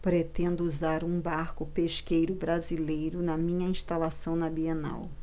pretendo usar um barco pesqueiro brasileiro na minha instalação na bienal